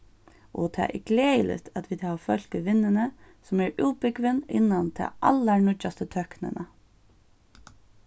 og tað er gleðiligt at vit hava fólk í vinnuni sum eru útbúgvin innan ta allarnýggjastu tøknina